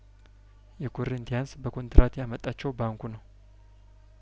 የኮሪንቲያንስ በኮንትራት ያመጣቸው ባንኩ ነው